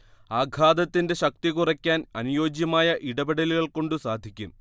ആഘാതത്തിന്റെ ശക്തി കുറയ്ക്കാൻ അനുയോജ്യമായ ഇടപെടലുകൾകൊണ്ടു സാധിക്കും